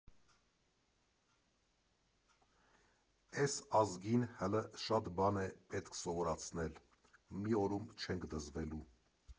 Էս ազգին հլը շատ բան ա պետք սովորացնել, մի օրում չենք դզվելու։